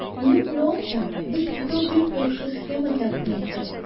Минем уйлавымча, без икәү бик яхшы схема тәкъдим иттек.